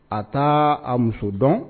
A taa a muso dɔn